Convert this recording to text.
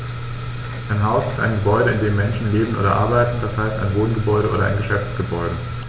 Ein Haus ist ein Gebäude, in dem Menschen leben oder arbeiten, d. h. ein Wohngebäude oder Geschäftsgebäude.